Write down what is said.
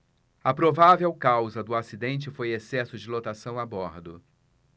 a provável causa do acidente foi excesso de lotação a bordo